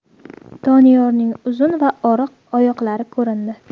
doniyorning uzun va oriq oyoqlari ko'rindi